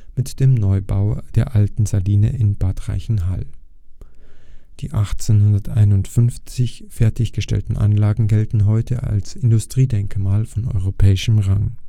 mit dem Neubau der Alten Saline in Bad Reichenhall. Die 1851 fertiggestellten Anlagen gelten heute als Industriedenkmal von europäischem Rang